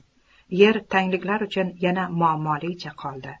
yer tangliklar uchun yana muammoligicha qoladi